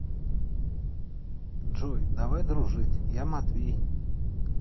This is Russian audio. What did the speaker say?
джой давай дружить я матвей